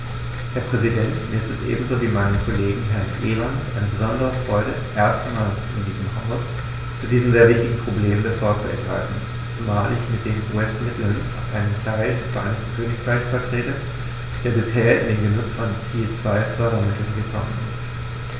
Herr Präsident, mir ist es ebenso wie meinem Kollegen Herrn Evans eine besondere Freude, erstmals in diesem Haus zu diesem sehr wichtigen Problem das Wort zu ergreifen, zumal ich mit den West Midlands einen Teil des Vereinigten Königreichs vertrete, der bisher in den Genuß von Ziel-2-Fördermitteln gekommen ist.